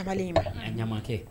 Ta in' a ɲama kɛ